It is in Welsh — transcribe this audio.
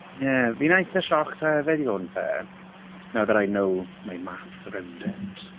Ie, fi'n eitha shocked hefyd i fod yn fair. Now that I know my maths around it.